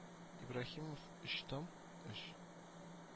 Ибраһимов, өч том - өч